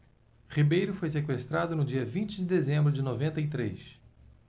ribeiro foi sequestrado no dia vinte de dezembro de noventa e três